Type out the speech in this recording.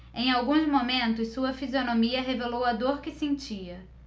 em alguns momentos sua fisionomia revelou a dor que sentia